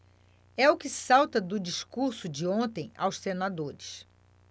é o que salta do discurso de ontem aos senadores